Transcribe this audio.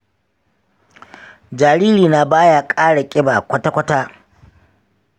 jaririna ba ya kara ƙiba kwata-kwata.